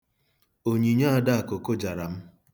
Oninyo Adakụ kụjara m.